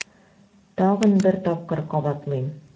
Тагын бер тапкыр кабатлыйм: